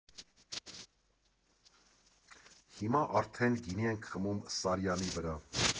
Հիմա արդեն գինի ենք խմում Սարյանի վրա։